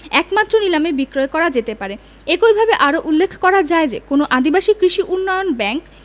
একমাত্র নিলামে বিক্রয় করা যেতে পারে একইভাবে আরো উল্লেখ করা যায় যে কোন আদিবাসী কৃষি উন্নয়ন ব্যাংক